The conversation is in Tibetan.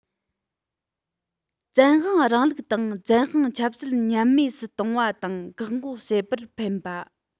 བཙན དབང རིང ལུགས དང བཙན དབང ཆབ སྲིད ཉམས དམས སུ གཏོང བ དང བཀག འགོག བྱེད པར ཕན པ